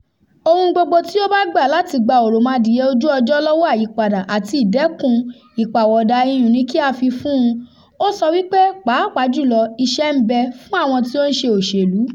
Ohun gbogbo tí ó bá gbà láti gba òròmọdìẹ ojú-ọjọ́ lọ́wọ́ àyípadà àti ìdẹ́kun ìpàwọ̀dà iyùn ni kí á fi fún un, ó sọ wípé, pàápàá jù lọ "iṣẹ́ ń bẹ" fún àwọn tí ó ń ṣe òṣèlú: